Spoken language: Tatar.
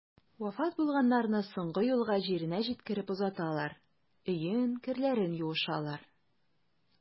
Вафат булганнарны соңгы юлга җиренә җиткереп озаталар, өен, керләрен юышалар.